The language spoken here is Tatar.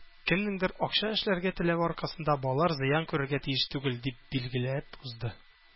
“кемнеңдер акча эшләргә теләве аркасында балалар зыян күрергә тиеш түгел”, - дип билгеләп узды.